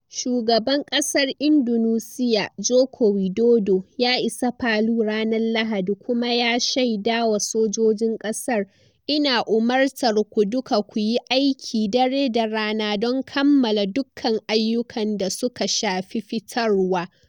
Shugaban kasar Indonesiya, Joko Widodo, ya isa Palu ranar Lahadi kuma ya shaidawa sojojin kasar: "Ina umurtar ku duka ku yi aiki dare da rana don kammala dukkan ayyukan da suka shafi fitarwa.